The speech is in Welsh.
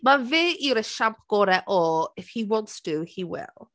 Mae fe yw'r esiampl gorau o, if he wants to, he will.